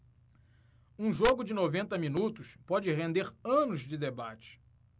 um jogo de noventa minutos pode render anos de debate